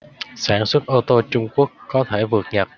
sản xuất ô tô trung quốc có thể vượt nhật